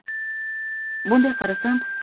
bunday qarasam